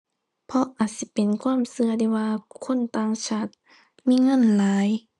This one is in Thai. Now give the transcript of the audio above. เพราะอาจสิเป็นความเชื่อเดะว่าคนต่างชาติมีเงินหลาย